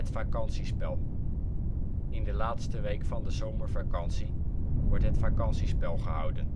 vakantiespel: In de laatste week van de zomervakantie wordt het vakantiespel gehouden